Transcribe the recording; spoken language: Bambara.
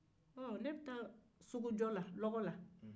ɔɔ ne bɛ taa sugu la